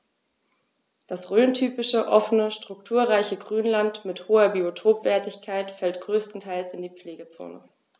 Das rhöntypische offene, strukturreiche Grünland mit hoher Biotopwertigkeit fällt größtenteils in die Pflegezone.